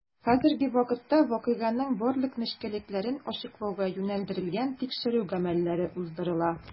Хәзерге вакытта вакыйганың барлык нечкәлекләрен ачыклауга юнәлдерелгән тикшерү гамәлләре уздырыла.